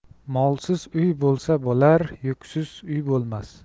molsiz uy bo'lsa bo'lar yuksiz uy bo'lmas